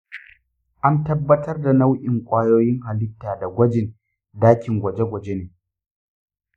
an tabbatar da nau’in kwayoyin halitta da gwajin dakin gwaje-gwaje ne?